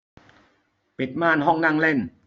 ปิดม่านห้องนั่งเล่น